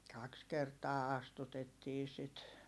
kaksi kertaa astutettiin sitä